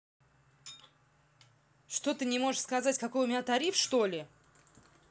ты что не можешь мне сказать какой у меня тариф что ли